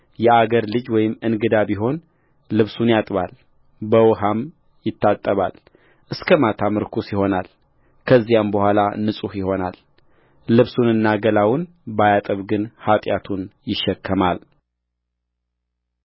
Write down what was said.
የአገር ልጅ ወይም እንግዳ ቢሆን ልብሱን ያጥባል በውኃም ይታጠባል እስከ ማታም ርኩስ ይሆናል ከዚያም በኋላ ንጹሕ ይሆናልልብሱንና ገላውን ባያጥብ ግን ኃጢአቱን ይሸከማል